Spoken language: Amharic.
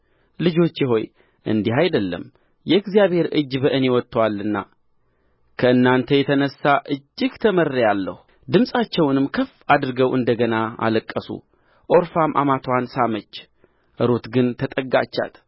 ልጆቼ ሆይ እንዲህ አይደለም የእግዚአብሔር እጅ በእኔ ወጥቶአልና ከእናንተ የተነሣ እጅግ ተመርሬአለሁ ድምፃቸውንም ከፍ አድርገው እንደ ገና አለቀሱ ዖርፋም አማትዋን ሳመች ሩት ግን ተጠጋቻት